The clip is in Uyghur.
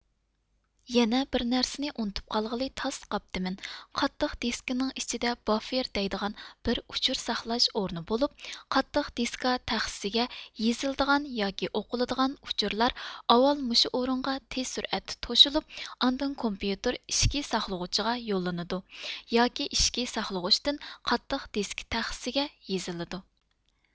يەنە بىر نەرسىنى ئۇنتۇپ قالغىلى تاس قاپتىمەن قاتتىق دېسكىنىڭ ئىچىدە باففېر دەيدىغان بىر ئۇچۇر ساقلاش ئورنى بولۇپ قاتتىق دېسكا تەخسىىسىگە يېزىلىدىغان ياكى ئوقۇلىدىغان ئۇچۇرلار ئاۋال مۇشۇ ئورۇنغا تېز سۈرئەتتە توشۇلۇپ ئاندىن كومپىيۇتېر ئىچكى ساقلىغۇچىغا يوللىنىدۇ ياكى ئىچىكى ساقلىغۇچىتىن قاتتىق دېسكا تەخسىسىگە يېزىلىدۇ